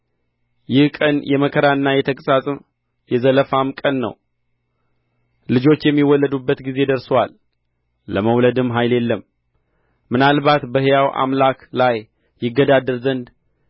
ይህ ቀን የመከራና የተግሣጽ የዘለፋም ቀን ነው ልጆች የሚወለዱበት ጊዜ ደርሶአል ለመውለድም ኃይል የለም ምናልባት በሕያው አምላክ ላይ ይገዳደር ዘንድ